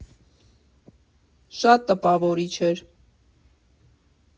Շատ տպավորիչ էր։